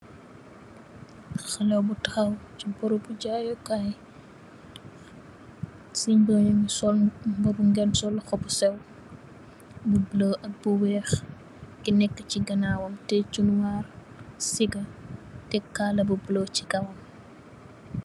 Xaleh bu tahaw se berebu jayekaye ccin benyam ye sol mube gensu lohou bu seew bu bulo ak bu weex ke neka se ganaw teye chunwar segah tek kala bu bulo se kawam.